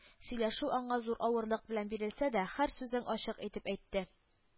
Сөйләшү аңа зур авырлык белән бирелсә дә һәр сүзең ачык итеп әйтте